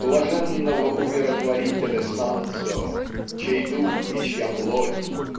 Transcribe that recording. блаженного умиротворителя Санцио чей дух и чья плоть